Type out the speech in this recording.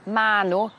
ma' n'w